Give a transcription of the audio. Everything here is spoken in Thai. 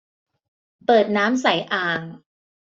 เปิดน้ำใส่อ่าง